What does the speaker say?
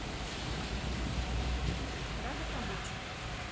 рада помочь